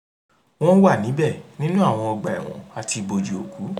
WỌ́N WÀ NÍBẸ̀: NÍNÚ ÀWỌN ỌGBÀ Ẹ̀WỌ̀N ÀTI IBOJÌ-ÒKÚ.